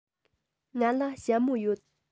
ང ལ ཞྭ མོ ཡོད